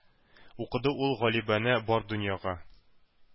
Укыды ул галибанә бар дөньяга.